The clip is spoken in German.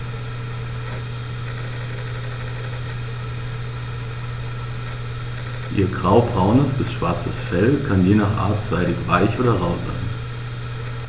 Ihr graubraunes bis schwarzes Fell kann je nach Art seidig-weich oder rau sein.